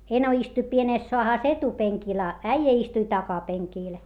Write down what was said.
eno istui pienessä saahassa etupenkillä a äijä istui takapenkillä